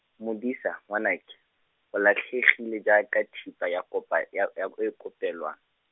Modisa, ngwanake, o latlhegile jaaka thipa ya kopa-, ya ya ko- e kopelwane.